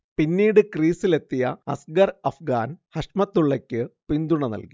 പിന്നീട് ക്രീസിലെത്തിയ അസ്ഗർ അഫ്ഗാൻ, ഹഷ്മതുള്ളയക്ക് പിന്തുണ നൽകി